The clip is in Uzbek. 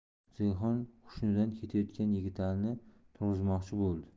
zelixon hushidan ketayozgan yigitalini turg'izmoqchi bo'ldi